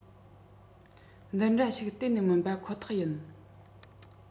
འདི འདྲ ཞིག གཏན ནས མིན པ ཁོ ཐག ཡིན